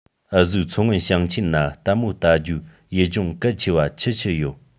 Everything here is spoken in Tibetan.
འུ བཟོའི མཚོ སྔོན ཞིང ཆེན ན ལྟད མོ ལྟ རྒྱུའོ ཡུལ ལྗོངས གལ ཆེ བ ཆི ཆི ཡོད